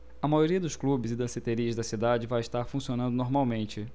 a maioria dos clubes e danceterias da cidade vai estar funcionando normalmente